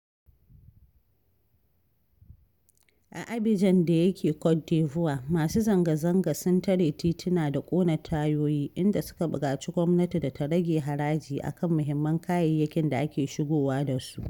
A Abidjan da yake Cote d'ivore, masu zangazanga sun tare tituna da ƙona tayoyi, inda suka buƙaci gwamnati da ta rage haraji a kan muhimman kayayyakin da ake shigowa da su.